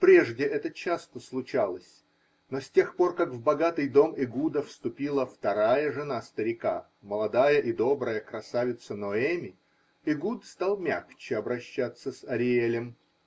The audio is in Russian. Прежде это часто случалось, но с тех пор как в богатый дом Эгуда вступила вторая жена старика, молодая и добрая красавица Ноэми, Эгуд стал мягче обращаться с Ариэлем.